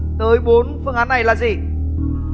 tới bốn phương án này là gì